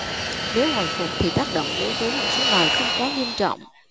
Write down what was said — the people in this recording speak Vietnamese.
nếu hồi phục thì tác động đối với một số loài không quá nghiêm trọng